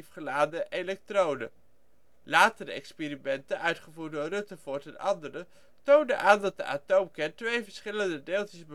geladen elektronen. Latere experimenten, uitgevoerd door Rutherford en anderen, toonden aan dat de atoomkern twee verschillende deeltjes